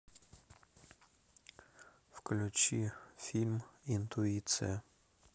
включи фильм интуиция